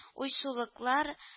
Уйсулыклар